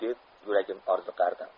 deb yuragim orziqardi